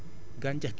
mais dafa xóot